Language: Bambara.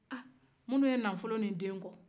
aaa minnu ye nafolo ni den kɔ